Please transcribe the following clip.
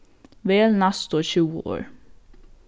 vel næstu tjúgu orð